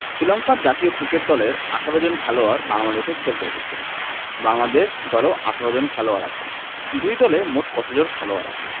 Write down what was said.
শ্রীলংকার জাতীয় ক্রিকেট দলের ১৮ জন খেলোয়াড় বাংলাদেশে খেলতে এসেছেন বাংলাদেশ দলেও ১৮ জন খেলোয়াড় আছেন দুই দলে মোট কতজন খেলোয়াড় আছেন